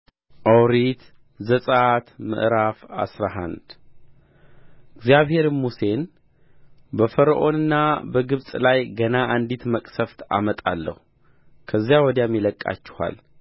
ኦሪት ዘጽአት ምዕራፍ አስራ አንድ እግዚአብሔርም ሙሴን በፈርዖንና በግብፅ ላይ ገና አንዲት መቅሰፍት አመጣለሁ ከዚያ ወዲያም ይለቅቃችኋል